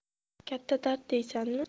katta dard deysanmi